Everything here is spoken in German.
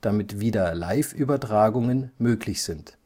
damit wieder Live-Übertragungen möglich sind